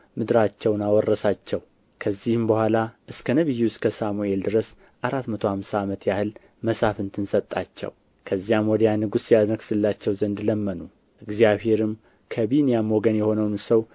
ምድራቸውን አወረሳቸው ከዚህም በኋላ እስከ ነቢዩ እስከ ሳሙኤል ድረስ አራት መቶ አምሳ ዓመት ያህል መሳፍንትን ሰጣቸው ከዚያም ወዲያ ንጉሥን ያነግሥላቸው ዘንድ ለመኑ እግዚአብሔርም ከብንያም ወገን የሚሆን ሰው